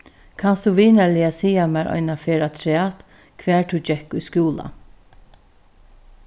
kanst tú vinarliga siga mær eina ferð afturat hvar tú gekk í skúla